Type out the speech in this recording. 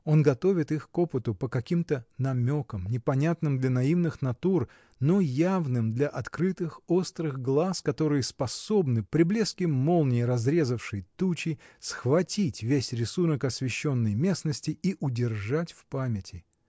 Он готовит их к опыту по каким-то намекам, непонятным для наивных натур, но явным для открытых, острых глаз, которые способны, при блеске молнии, разрезавшей тучи, схватить весь рисунок освещенной местности и удержать в памяти.